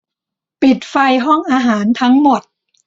ปิดไฟห้องอาหารทั้งหมด